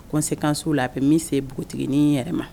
Conséquence u la a bɛ min se npogotigi ni yɛrɛ ma